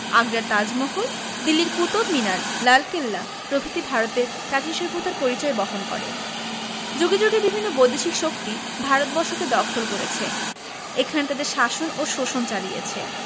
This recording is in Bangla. আগ্রার তাজমহল দিল্লির কুতুব মিনার লালকেল্লা প্রভৃতি ভারতের প্রাচীন সভ্যতার পরিচয় বহন করে যুগে যুগে বিভিন্ন বৈদেশিক শক্তি ভারতবর্ষকে দখল করেছে এখানে তাদের শাসন ও শোষণ চালিয়েছে